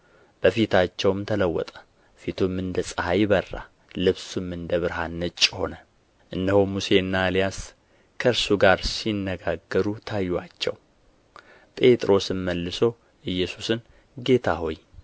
በፊታቸውም ተለወጠ ፊቱም እንደ ፀሐይ በራ ልብሱም እንደ ብርሃን ነጭ ሆነ እነሆም ሙሴና ኤልያስ ከእርሱ ጋር ሲነጋገሩ ታዩአቸው ጴጥሮስም መልሶ ኢየሱስን ጌታ ሆይ